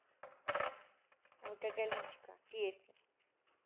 алкоголичка песня